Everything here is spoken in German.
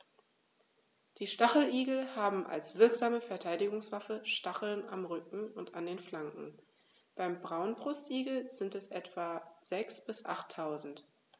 Die Stacheligel haben als wirksame Verteidigungswaffe Stacheln am Rücken und an den Flanken (beim Braunbrustigel sind es etwa sechs- bis achttausend).